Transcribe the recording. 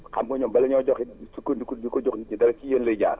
xam nga ñoom bala ñoo joxe sukkandiku di ko jox nit ñi te si yéen lay jaar